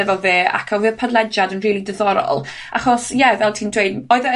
efo fe a cofio'r podlediad yn rili diddorol, achos, ie, fel ti'n dweud, oedd e